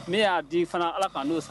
Ne y'a di fana ala ka' dono sɔrɔ